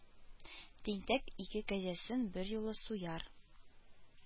Тинтәк ике кәҗәсен берьюлы суяр